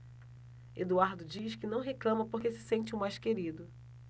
eduardo diz que não reclama porque se sente o mais querido